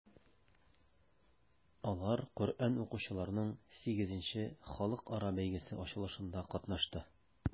Алар Коръән укучыларның VIII халыкара бәйгесе ачылышында катнашты.